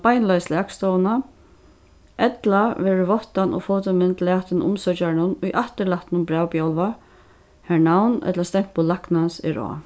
beinleiðis til akstovuna ella verður váttan og fotomynd latin umsøkjaranum í afturlatnum brævbjálva har navn ella stempul læknans er á